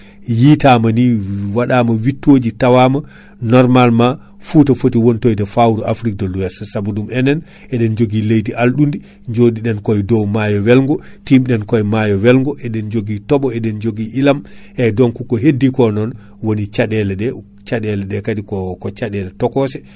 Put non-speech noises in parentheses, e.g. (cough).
(breath) yitamani (hesitation) waɗama wittoji tawama normalment Fouta foti wontoyde fawru Afrique de l' ouest saabu ɗum enen eɗen joogui leydi alɗudi joɗiɗen koy dow maayo welgo timɗen koye maayo welgo eɗen joogui toɓo eɗen joogui ilam (breath) eyyi donc ko heddi ko non woni caɗele (hesitation) caɗele kaadi ko caɗele tokose (breath)